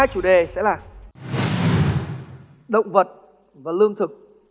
hai chủ đề sẽ là động vật và lương thực